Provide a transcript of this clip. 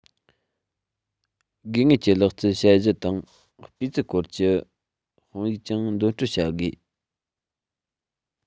དགོས ངེས ཀྱི ལག རྩལ དཔྱད གཞི དང སྤུས ཚད སྐོར གྱི དཔང ཡིག ཀྱང འདོན སྤྲོད བྱ དགོས